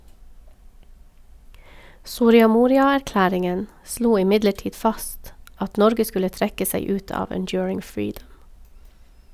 Soria Moria-erklæringen slo imidlertid fast at Norge skulle trekke seg ut av Enduring Freedom.